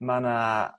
ma' 'na